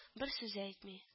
Бер сүз әйтми